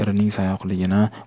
erining sayoqligini